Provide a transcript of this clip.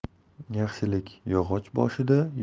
yaxshilik yog'och boshida